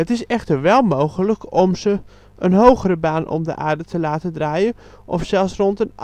is echter wel mogelijk om ze in een hogere baan om de aarde te laten draaien, of zelfs rond